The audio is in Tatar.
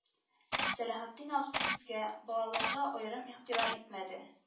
Сәләхетдин абзый безгә, балаларга, аерым игътибар итмәде